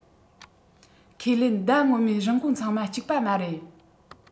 ཁས ལེན ཟླ སྔོན མའི རིན གོང ཚང མ གཅིག པ མ རེད